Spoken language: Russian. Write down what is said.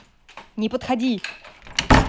не подходи